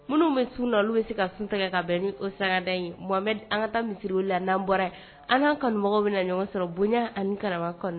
Minnu bɛ sun na olu u bɛ se ka sunsɛgɛ ka bɛn ni o sagada ye m bɛ an ka taa misiw la n'an bɔra an kanan kan mɔgɔw bɛ na ɲɔgɔn sɔrɔ bonya ani karama kɔnɔ